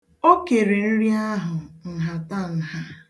O kere nri ahụ nhatanha.